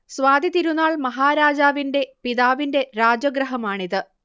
സ്വാതി തിരുനാൾ മഹാരാജാവിന്റെ പിതാവിന്റെ രാജഗൃഹമാണിത്